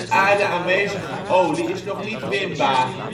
aarde aanwezige olie is nog niet winbaar